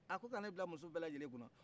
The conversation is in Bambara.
a ko ka ne bila muso bɛɛ lajɛlen kunna